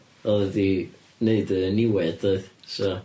O o'dd 'di neud yn niwed oedd so.